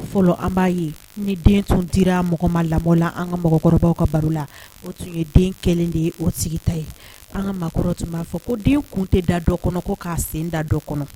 Fɔlɔ an b'a ye ni den tun dira mɔgɔ ma lamɔ la an ka mɔgɔkɔrɔbaw ka baro la ,o tun ye den kɛlen de ye o tigi ta ye an ka maakɔrɔ tun b'a fɔ ko den kun tɛ da dɔ kɔnɔ ko k'a sen da dɔ kɔnɔ.